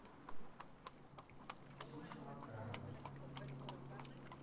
ксюша макарова